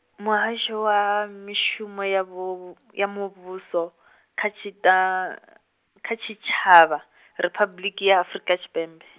Muhasho wa Mishumo ya vhu, ya Muvhuso, kha Tshita-, kha Tshitshavha, Riphabuḽiki ya Afurika Tshipembe.